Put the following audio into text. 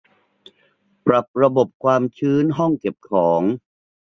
ปรับระบบความชื้นห้องเก็บของ